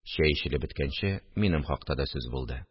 Чәй эчелеп беткәнче, минем хакта да сүз булды